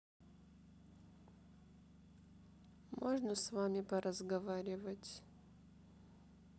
можно с вами поразговаривать